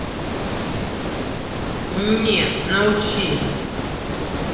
не научи